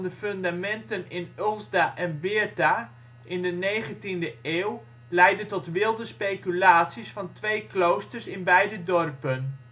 fundamenten in Ulsda en Beerta in de negentiende eeuw leidde tot wilde speculaties van twee kloosters in beide dorpen